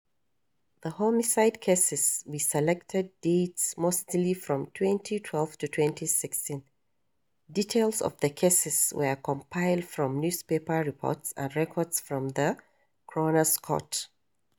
The homicide cases we selected date mostly from 2012 to 2016. Details of the cases were compiled from newspaper reports and records from the Coroner's Court.